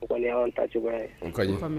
An ta cogoya ye